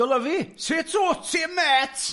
Dylyfu! Sut w ti mêt?